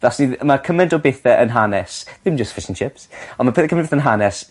Fel sydd ma' cyment o bethe yn hanes ddim jys fish and chips on' ma' yn hanes